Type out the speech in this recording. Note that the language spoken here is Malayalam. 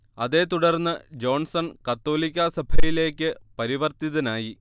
അതേത്തുടർന്ന് ജോൺസൺ കത്തോലിക്കാസഭയിലെക്ക് പരിവർത്തിതനായി